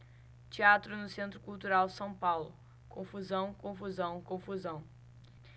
teatro no centro cultural são paulo confusão confusão confusão